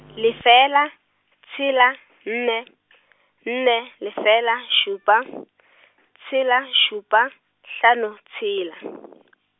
lefela, tshela nne, nne, lefela šupa, tshela šupa, hlano tshela .